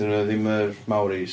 Dan nhw ddim yr Māoris.